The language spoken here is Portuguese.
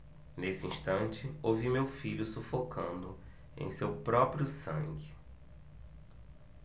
nesse instante ouvi meu filho sufocando em seu próprio sangue